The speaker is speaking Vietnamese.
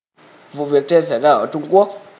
vụ việc trên xảy ra ở trung quốc